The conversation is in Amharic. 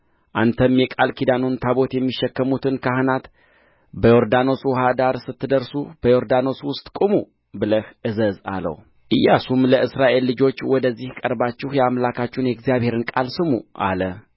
አንተም የቃል ኪዳኑን ታቦት የሚሸከሙትን ካህናት በዮርዳኖስ ውኃ ዳር ስትደርሱ በዮርዳኖስ ውስጥ ቁሙ ብለህ እዘዝ አለው ኢያሱም ለእስራኤል ልጆች ወደዚህ ቀርባችሁ የአምላካችሁን የእግዚአብሔርን ቃል ስሙ አለ